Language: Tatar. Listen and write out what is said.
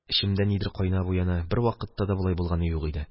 Эчемдә нидер кайнап уяна, бервакытта да болай булганы юк иде.